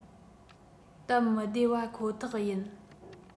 སྟབས མི བདེ བ ཁོ ཐག ཡིན